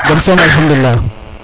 jam som alkhamdoulilah